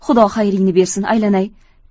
xudo xayringni bersin aylanay